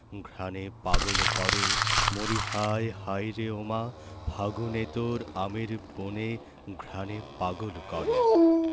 ঘ্রাণে পাগল করে মরিহায় হায়রে ওমা ফাগুনে তোর আমের বনে ঘ্রাণে পাগল করে